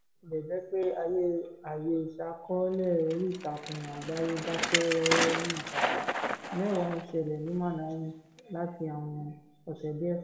Bí ó tilẹ̀ jẹ́ pé àyè ìṣàkọọ́lẹ̀ oríìtakùn àgbáyé dákẹ́ rọ́rọ́ ní àpapọ̀, mẹ́wàá ń ṣẹlẹ̀ ní Malawi láti àwọn ọ̀sẹ̀ díẹ̀ sẹ́yìn.